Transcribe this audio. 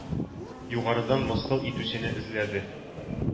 Югарыдан мыскыл итүчене эзләде.